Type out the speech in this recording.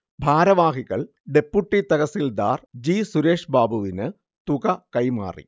ഭാരവാഹികൾ ഡെപ്യൂട്ടി തഹസിൽദാർ ജി. സുരേഷ്ബാബുവിന് തുക കൈമാറി